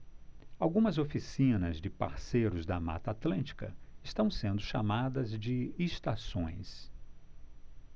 algumas oficinas de parceiros da mata atlântica estão sendo chamadas de estações